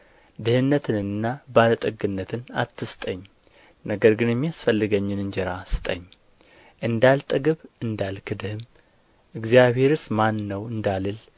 ድኅነትንና ባለጠግነትን አትስጠኝ ነገር ግን የሚያስፈልገኝን እንጀራ ስጠኝ እንዳልጠግብ እንዳልክድህም እግዚአብሔርስ ማን ነው እንዳልል